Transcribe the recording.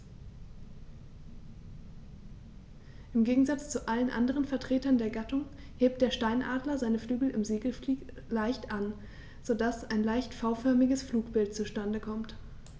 Im Gegensatz zu allen anderen Vertretern der Gattung hebt der Steinadler seine Flügel im Segelflug leicht an, so dass ein leicht V-förmiges Flugbild zustande kommt.